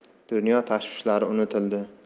dunyo tashvishlari unutildi